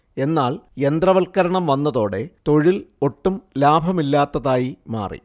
എന്നാൽ യന്ത്രവൽക്കരണം വന്നതോടെ തൊഴിൽ ഒട്ടും ലാഭമില്ലാത്തതായി മാറി